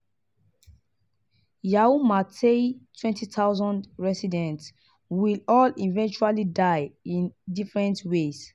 Yau Ma Tei's 20,000 residents will all eventually die in different ways.